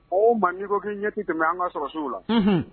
O ma n'i ko k'i ɲɛti tɛmɛ an ka sɔrɔ sugu la